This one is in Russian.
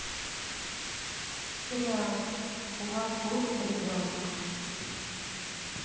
сериал у вас будет ребенок